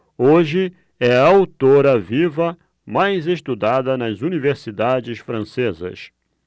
hoje é a autora viva mais estudada nas universidades francesas